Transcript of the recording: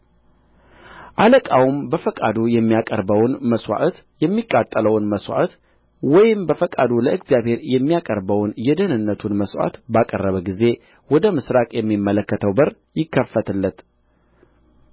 አለቃውም በፈቃዱ የሚያቀርበውን መሥዋዕት የሚቃጠለውን መሥዋዕት ወይም በፈቃዱ ለእግዚአብሔር የሚያቀርበውን የደኅንነቱን መሥዋዕት ባቀረበ ጊዜ ወደ ምሥራቅ የሚመለከተው በር ይከፈትለት